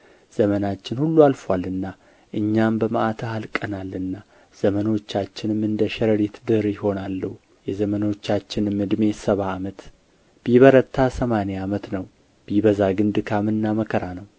ዘመናችን ሁሉ አልፎአልና እኛም በመዓትህ አልቀናልና ዘመኖቻችንም እንደ ሸረሪት ድር ይሆናሉ የዘመኖቻችንም ዕድሜ ሰባ ዓመት ቢበረታም ሰማንያ ዓመት ነው ቢበዛ ግን ድካምና መከራ ነው